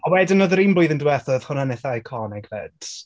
A wedyn, oedd yr un blwyddyn diwethaf, oedd hwnna'n eithaf iconic 'fyd.